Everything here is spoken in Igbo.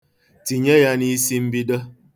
Tinye ya n'isimbido.